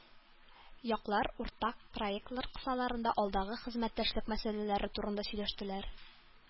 Яклар уртак проектлар кысаларында алдагы хезмәттәшлек мәсьәләләре турында сөйләштеләр.